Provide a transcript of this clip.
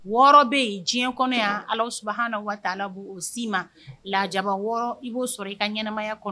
Wɔɔrɔ be yen diɲɛ kɔnɔ yan ala subahana watala bo o si ma lajaba wɔɔrɔ i bo sɔrɔ i ka ɲɛnamaya kɔnɔ.